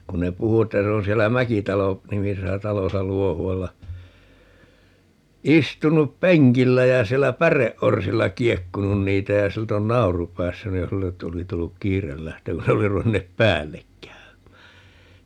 kun ne puhui että se on siellä - Mäkitalo-nimisessä talossa Luohualla istunut penkillä ja siellä päreorsilla kiekkunut niitä ja siltä on nauru päässyt niin sille oli tullut kiire lähtemään kun ne oli ruvenneet päälle käymään